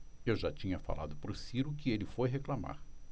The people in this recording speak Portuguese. eu já tinha falado pro ciro que ele foi reclamar